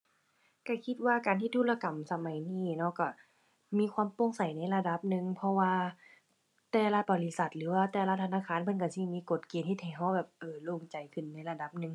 ก็คิดว่าการเฮ็ดธุรกรรมสมัยนี้เนาะ ก็มีความโปร่งใสในระดับหนึ่ง เพราะว่าแต่ละบริษัทหรือว่าแต่ละธนาคารเพิ่นก็สิมีกฎเกณฑ์เฮ็ดให้ก็แบบ เออ โล่งใจขึ้นในระดับหนึ่ง